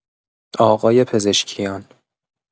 آقای پزشکیان